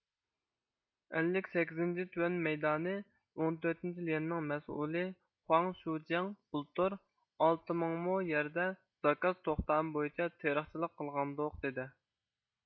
ئەللىك سەككىزىنچى تۇەن مەيدانى ئون تۆتىنچى ليەنىنىڭ مەسئۇلى خۇاڭ شۇجياڭ بۇلتۇر ئالتە مىڭ مو يەردە زاكاز توختامى بويىچە تېرىقچىلىق قىلغانىدۇق دېدى